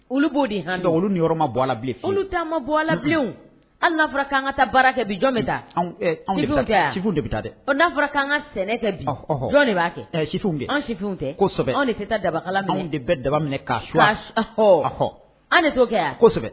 Olu b'o de han don olu ni yɔrɔma bɔ la bilen olu taamama bɔ la bilen an n'a fɔra k'an ka taa baara kɛ bi min ta sifin de bɛ taa dɛ o n'a fɔra an ka sɛnɛ tɛ jɔn b'a sifin an sifinw tɛsɛbɛ an de tɛ taa daba min de bɛ daba minɛ ka saɔ an'o yansɛbɛ